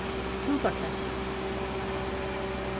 fútaklettur